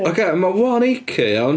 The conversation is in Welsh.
Oce, ma one acre iawn.